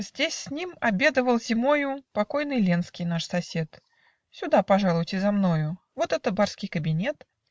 Здесь с ним обедывал зимою Покойный Ленский, наш сосед. Сюда пожалуйте, за мною. Вот это барский кабинет